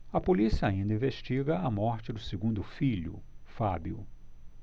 a polícia ainda investiga a morte do segundo filho fábio